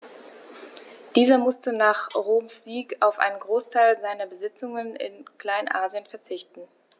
Dieser musste nach Roms Sieg auf einen Großteil seiner Besitzungen in Kleinasien verzichten.